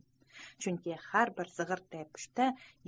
chunki har bir zig'irday pushtda